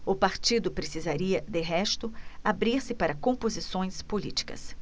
o partido precisaria de resto abrir-se para composições políticas